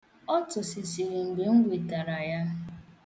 Ọ tụsịsịrị mgbe m wetara ya.